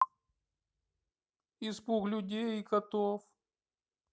испуг людей и котов